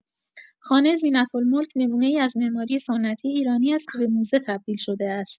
خانه زینت‌الملک نمونه‌ای از معماری سنتی ایرانی است که به موزه تبدیل شده است.